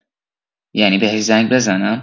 یعنی بهش زنگ بزنم؟